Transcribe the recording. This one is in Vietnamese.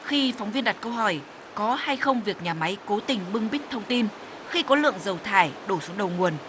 khi phóng viên đặt câu hỏi có hay không việc nhà máy cố tình bưng bít thông tin khi có lượng dầu thải đổ xuống đầu nguồn